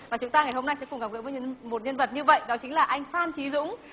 và chúng ta ngày hôm nay sẽ cùng gặp gỡ với những một nhân vật như vậy đó chính là anh phan chí dũng